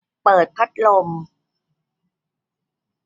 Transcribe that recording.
เปิดพัดลม